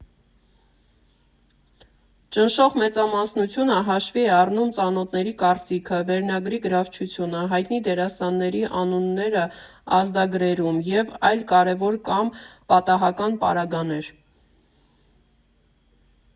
Ճնշող մեծամասնությունը հաշվի է առնում ծանոթների կարծիքը, վերնագրի գրավչությունը, հայտնի դերասանների անուններն ազդագրերում և այլ կարևոր կամ պատահական պարագաներ։